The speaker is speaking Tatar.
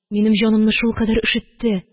Минем җанымны шулкадәр өшетте